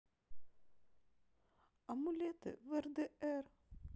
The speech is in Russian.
амулеты в рдр